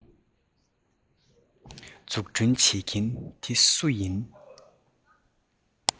འཛུགས སྐྲུན བྱེད མཁན དེ སུ ཡིན